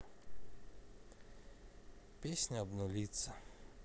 песня обнулиться